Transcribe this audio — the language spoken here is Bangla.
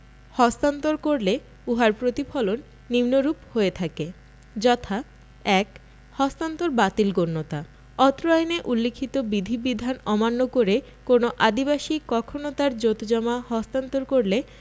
হস্তান্তর করলে উহার প্রতিফলন নিম্নরূপ হয়ে থাকে যথা ১ হস্তান্তর বাতিল গণ্যতা অত্র আইনে উল্লিখিত বিধিবিধান অমান্য করে কোন আদিবাসী কখনো তার জোতজমা হস্তান্তর করলে